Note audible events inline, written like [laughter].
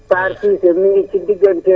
[hesitation] kontaan nañ trop ci woote bi